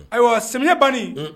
Ayiwa samiyɛ ban